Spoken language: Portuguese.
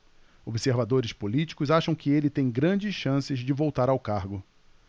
observadores políticos acham que ele tem grandes chances de voltar ao cargo